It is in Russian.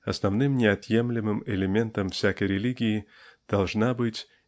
основным неотъемлемым элементом всякой религии должна быть